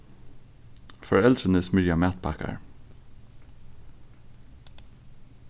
foreldrini smyrja matpakkar